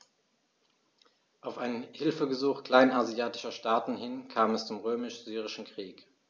Auf ein Hilfegesuch kleinasiatischer Staaten hin kam es zum Römisch-Syrischen Krieg.